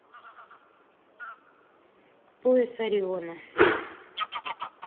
пояс ориона